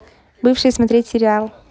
бывшие смотреть сериал